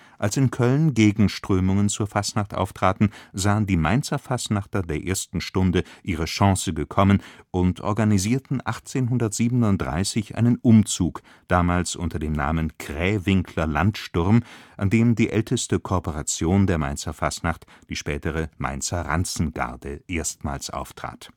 Als in Köln Gegenströmungen zur Fastnacht auftraten, sahen die Mainzer Fastnachter der ersten Stunde ihre Chance gekommen und organisierten 1837 einen Umzug (damals unter dem Namen „ Krähwinkler Landsturm “), an dem die älteste Korporation der Mainzer Fastnacht, die spätere Mainzer Ranzengarde erstmals auftrat